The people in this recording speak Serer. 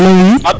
alo oui